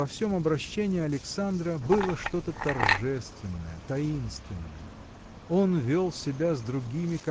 во всем обращении Александра было что-то торжественное таинственное. Он вел себя с другими